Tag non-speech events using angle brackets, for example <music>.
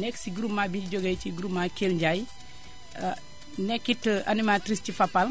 nekk ci groupement bi jóge ci groupement Kell Ndiaye <hesitation> nekk it animatrice ci Fapal